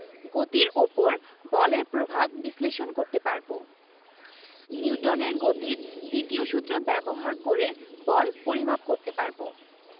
গতির উপর বলের প্রভাব বিশ্লেষণ করতে পারব নিউটনের গতির দ্বিতীয় সূত্র ব্যবহার করে বল পরিমাপ করতে পারব